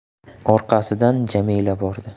orqasidan jamila bordi